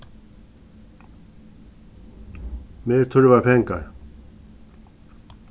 mær tørvar pengar